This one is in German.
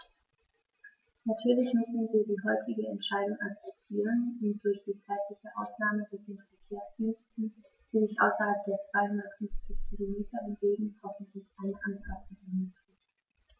Natürlich müssen wir die heutige Entscheidung akzeptieren, und durch die zeitliche Ausnahme wird den Verkehrsdiensten, die sich außerhalb der 250 Kilometer bewegen, hoffentlich eine Anpassung ermöglicht.